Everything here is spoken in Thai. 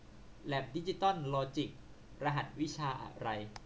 แล็บดิจิตอลลอจิครหัสวิชาอะไร